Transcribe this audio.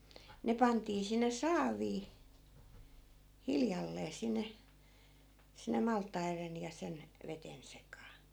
ne pantiin sinne saaviin hiljalleen sinne sinne maltaiden ja sen veden sekaan